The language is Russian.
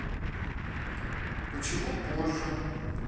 почему позже